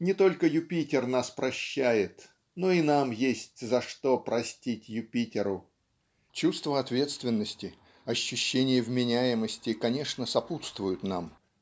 Не только Юпитер нас прощает, но и нам есть за что простить Юпитеру. Чувство ответственности ощущение вменяемости конечно сопутствуют нам